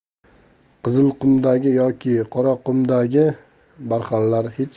qizilqumdagi yoki qoraqumdagi barxanlar